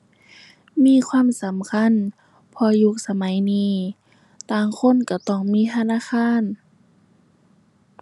มีความสำคัญเพราะยุคสมัยนี้ต่างคนก็ต้องมีธนาคาร